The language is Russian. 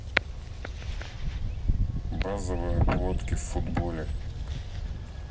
базовые обводки в футболе